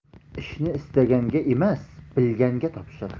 ishni istaganga emas bilganga topshir